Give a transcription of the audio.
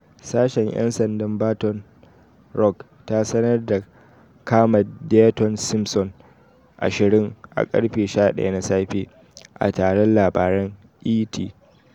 Sashen 'yan sandan Baton Rouge ta sanar da kama Dyteon Simpson, 20, a karfe 11 na safe. a taron labaran ET.